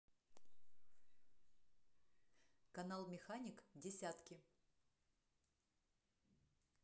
канал механик десятки